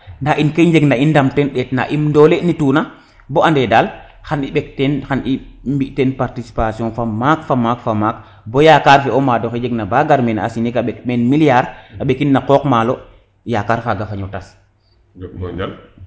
nda in ke i njeg na i ndam ten ndet na i doole ni tuna bo ande dal xan i mbek ten xan i mbi ten participation fa maak fa maak fa maak bo yakar fe o mado xe jeg na ba gar meke a sinig a mbek meen milliard a mbekin na qooq maalo yakar faga faño tas